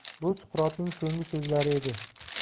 bu suqrotning so'nggi so'zlari edi